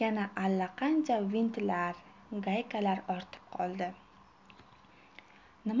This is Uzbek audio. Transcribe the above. yana allaqancha vintlar gaykalar ortib qoldi